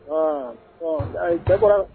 H ɔ ayi tɛ bɔra